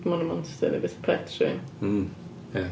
Ma' 'na monster 'di byta pets rywun... hmm, ia.